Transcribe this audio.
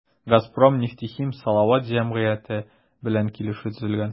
“газпром нефтехим салават” җәмгыяте белән килешү төзелгән.